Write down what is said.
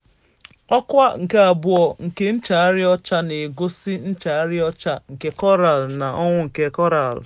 Ọkwá nke Abụọ nke nchagharị ọcha ga-egosi nchagharị ọcha nke Koraalụ na ọnwụ nke Koraalụ.